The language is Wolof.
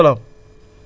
maaleykum salaam